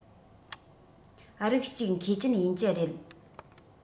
རིགས གཅིག མཁས ཅན ཡིན གྱི རེད